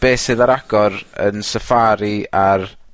be' sydd ar agor yn Safari ar